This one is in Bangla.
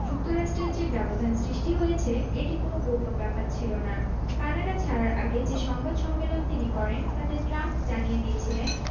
যুক্তরাষ্ট্রের যে ব্যবধান সৃষ্টি হয়েছে এটি কোনো গোপন ব্যাপার ছিল না কানাডা ছাড়ার আগে যে সংবাদ সম্মেলন তিনি করেন তাতে ট্রাম্প জানিয়ে দিয়েছিলেন